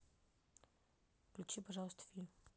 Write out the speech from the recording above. включи пожалуйста фильм